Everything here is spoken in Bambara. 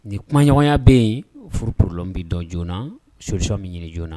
Ni kumaɲɔgɔnya bɛ yen furuorolen bɛ dɔn joona sosɔn min ɲini joona na